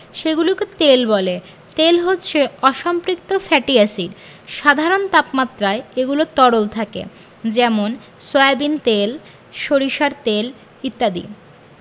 সেগুলোকে তেল বলে তেল হচ্ছে অসম্পৃক্ত ফ্যাটি এসিড সাধারণ তাপমাত্রায় এগুলো তরল থাকে যেমন সয়াবিন তেল সরিষার তেল ইত্যাদি